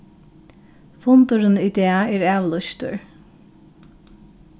fundurin í dag er avlýstur